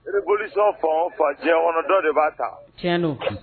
Ibolisɔn fa fa diɲɛ kɔnɔ dɔ de b'a ta tiɲɛɲɛnin